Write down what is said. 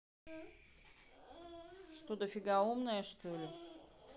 что дофига умная что ли